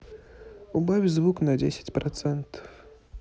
убавь звук на десять процентов